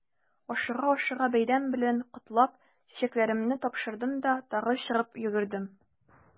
Ашыга-ашыга бәйрәм белән котлап, чәчәкләремне тапшырдым да тагы чыгып йөгердем.